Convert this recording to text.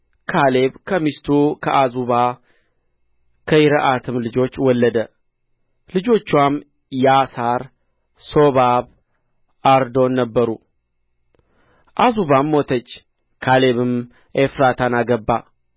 ካሌብ ከሚስቱ ከዓዙባ ከይሪዖትም ልጆች ወለደ ልጆቹዋም ያሳር ሶባብ አርዶን ነበሩ ዓዙባም ሞተች ካሌብም ኤፍራታን አገባ